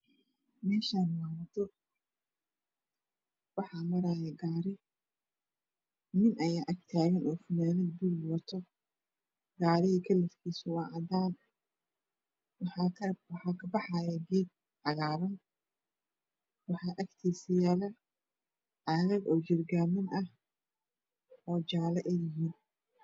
Meeshaan waa wado waxaa amraayo gaari nin ayaa ag taagan oo funaanad puulg ah wato gariga kalarkiisa waa. Cadaan waxaa ka apaxaya geed cagaaran waxaa agtiisa yaala cagag oo jargaama ah oo jala ey yihiin